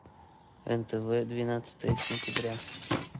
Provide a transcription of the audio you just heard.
нтв двадцатое сентября